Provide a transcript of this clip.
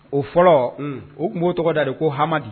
O fɔlɔ u tun b'o tɔgɔ da de ko hama